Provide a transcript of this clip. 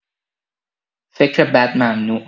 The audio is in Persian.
فکر بد ممنوع!